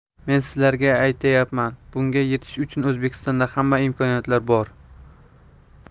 men sizlarga aytyapman bunga yetish uchun o'zbekistonda hamma imkoniyatlar bor